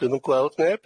Dwi'm yn gweld neb.